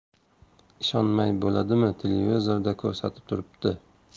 ishonmay bo'ladimi televizorda ko'rsatib turibdi